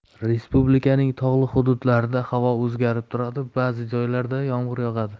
respublikaning tog'li hududlarida havo o'zgarib turadi ba'zi joylarda yomg'ir yog'adi